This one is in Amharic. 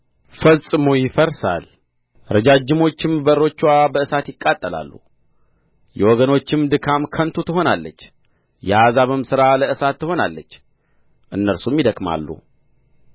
ፈጽሞ ይፈርሳል ረጃጅሞችም በሮችዋ በእሳት ይቃጠላሉ የወገኖችም ድካም ከንቱ ትሆናለች የአሕዛብም ሥራ ለእሳት ትሆናለች እነርሱም ይደክማሉ